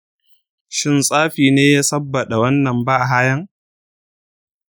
shin tsafi ne ya sabbada wannan bahayan?